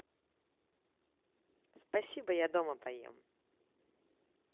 спасибо я дома поем